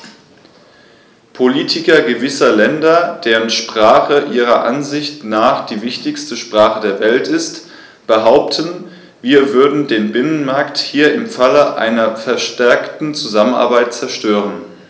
Politiker gewisser Länder, deren Sprache ihrer Ansicht nach die wichtigste Sprache der Welt ist, behaupten, wir würden den Binnenmarkt hier im Falle einer verstärkten Zusammenarbeit zerstören.